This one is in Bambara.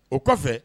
O kɔfɛ